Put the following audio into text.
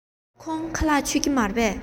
ཁོང ཁ ལག མཆོད ཀྱི མ རེད པས